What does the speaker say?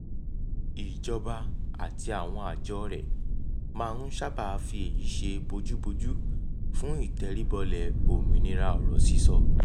Ìjọba àti àwọn àjọ rẹ̀ máa ń sábà fi èyí ṣe bójúbójú fún ìtẹríbọlẹ̀ òmìnira ọ̀rọ̀ sísọ.